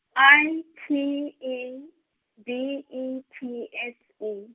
I T E B E T S E.